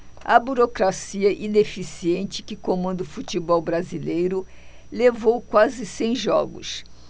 a burocracia ineficiente que comanda o futebol brasileiro levou quase cem jogos